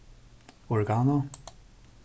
oregano